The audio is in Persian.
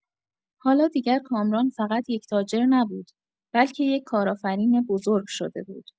حالا دیگر کامران فقط یک تاجر نبود، بلکه یک کارآفرین بزرگ شده بود.